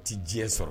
A tɛ diɲɛ sɔrɔ